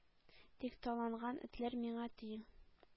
Тик таланган этләр миңа тиң.